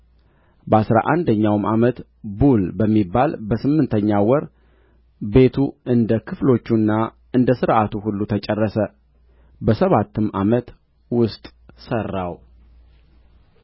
በአሥራ አንደኛውም ዓመት ቡል በሚባል በስምንተኛው ወር ቤቱ እንደ ክፍሎቹና እንደ ሥርዓቱ ሁሉ ተጨረሰ በሰባትም ዓመት ውስጥ ሠራው